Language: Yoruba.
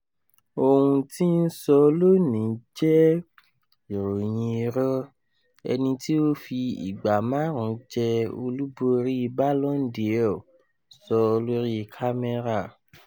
Ohun tí n sọ lónìí jẹ́, ìròyìn irọ̀,” Ẹni tí ó fi ìgbà márùn ún jẹ́ olùborí Ballon d'Or sọ lór’i kámẹ́rà.